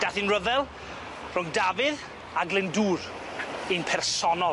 Dath 'i'n ryfel rhwng Dafydd a Glyndŵr, un personol.